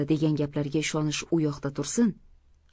degan gaplarga ishonish u yoqda tursin